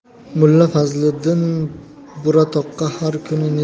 mulla fazliddin buratoqqa har kuni